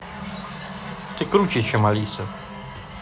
ты круче чем алиса